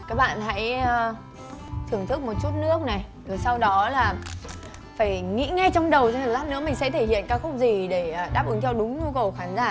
các bạn hãy thưởng thức một chút nước này rồi sau đó là phải nghĩ ngay trong đầu xem lát nữa mình sẽ thể hiện ca khúc gì để đáp ứng theo đúng nhu cầu của khán giả